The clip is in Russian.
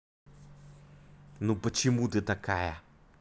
ну почему ты такая